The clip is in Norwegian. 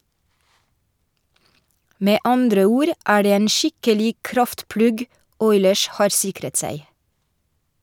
Med andre ord er det en skikkelig kraftplugg Oilers har sikret seg.